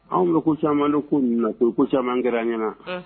Anw amadu camanma ko na camanman kɛra an ɲɛnaana